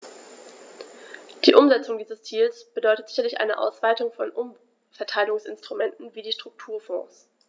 Die Umsetzung dieses Ziels bedeutet sicherlich eine Ausweitung von Umverteilungsinstrumenten wie die Strukturfonds.